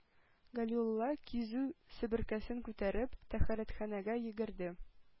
Галиулла кизү, себеркесен күтәреп, тәһарәтханәгә йөгерде.